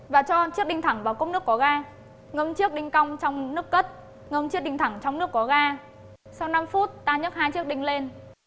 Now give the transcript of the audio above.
và cho chiếc đinh thẳng vào cốc nước có ga ngâm chiếc đinh cong trong nước cất ngâm chiếc đinh thẳng trong nước có ga sau năm phút ta nhấc hai chiếc đinh lên